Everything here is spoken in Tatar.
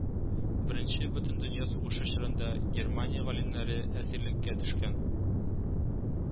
Беренче Бөтендөнья сугышы чорында Германия галимнәре әсирлеккә төшкән